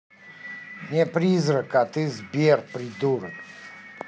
не призрак а ты сбер придурок